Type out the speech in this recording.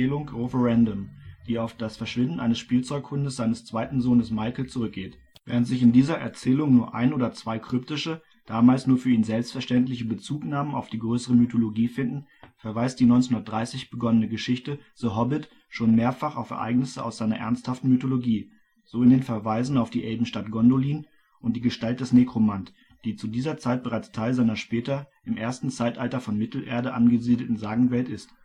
Roverandom, die auf das Verschwinden eines Spielzeughundes seines zweiten Sohnes Michael zurückgeht. Während sich in dieser Erzählung nur ein oder zwei kryptische, damals nur für ihn selbst verständliche Bezugnahmen auf die größere Mythologie finden, verweist die 1930 begonnene Geschichte The Hobbit schon mehrfach auf Ereignisse aus seiner ernsthaften Mythologie, so in den Verweisen auf die Elbenstadt Gondolin und die Gestalt des Nekromant, die zu dieser Zeit bereits Teil seiner später im ersten Zeitalter von Mittelerde angesiedelten Sagenwelt ist